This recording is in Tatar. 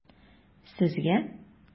Сезгә?